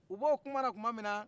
u b'o kuma na tuma min na